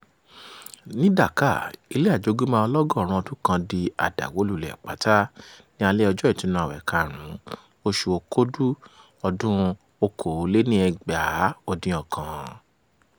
Ní Dhaka, ilé àjogúnbá ọlọ́gọ́rùn-ún ọdún kan di àdàwólulẹ̀ pátá ní alẹ́ ọjọ́ Ìtunu Àwẹ̀ 5, oṣù Òkúdù 2019.